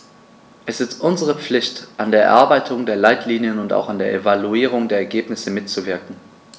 Es ist unsere Pflicht, an der Erarbeitung der Leitlinien und auch an der Evaluierung der Ergebnisse mitzuwirken.